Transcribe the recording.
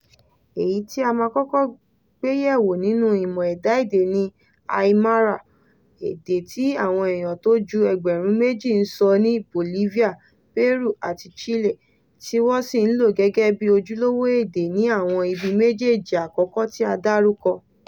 Èyí ti a máa kọ́kọ́ gbé yẹ̀wò nínú ìmọ̀ ẹ̀dá èdè ni Aymara; èdè tí àwọn èèyàn tó ju ẹgbẹ̀rún méjì ń sọ ní Bolivia, Peru àti Chile tí wọ́n sì ń lò gẹ́gẹ́ bi ojúlówó èdè ní àwọn ibi méjèéjí àkọ́kọ́ tí a dárúkọ.